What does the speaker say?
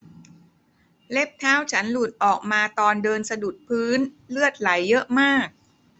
เล็บเท้าฉันหลุดออกมาตอนเดินสะดุดพื้นเลือดไหลเยอะมาก